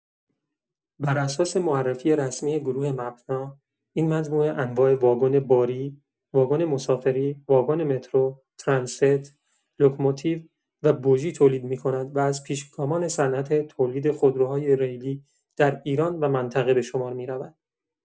بر اساس معرفی رسمی گروه مپنا، این مجموعه انواع واگن باری، واگن مسافری، واگن مترو، ترن‌ست، لکوموتیو و بوژی تولید می‌کند و از پیشگامان صنعت تولید خودروهای ریلی در ایران و منطقه به شمار می‌رود.